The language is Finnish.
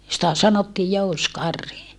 sitä sanottiin jousikarhi